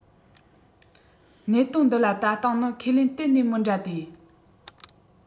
གནད དོན འདི ལ ལྟ སྟངས ནི ཁས ལེན གཏན ནས མི འདྲ སྟེ